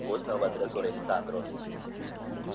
o'z navbatida so'raydi sandro